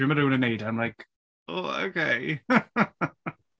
Pryd mae rhywun yn wneud e I'm like "Oh ok" .